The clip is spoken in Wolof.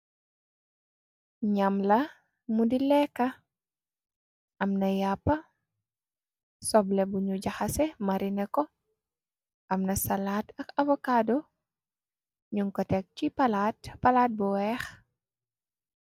Nyam la mu di leeka amna yàppa soble buñu jaxase marina ko amna salaat ak avocaato ñun ko teg ci palaat palaat bu weex.